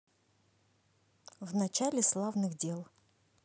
в начале славных дел